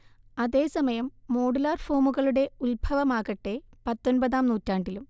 അതേസമയം, മോഡുലാർ ഫോമുകളുടെ ഉത്ഭവമാകട്ടെ, പത്തൊൻപതാം നൂറ്റാണ്ടിലും